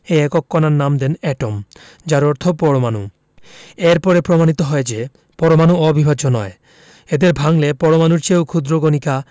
এ একক কণার নাম দেন এটম যার অর্থ পরমাণু এর পরে প্রমাণিত হয় যে পরমাণু অবিভাজ্য নয় এদের ভাঙলে পরমাণুর চেয়েও ক্ষুদ্র কণিকা